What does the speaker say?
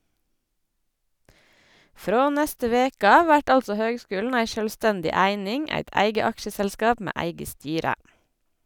Frå neste veke av vert altså høgskulen ei sjølvstendig eining, eit eige aksjeselskap med eige styre.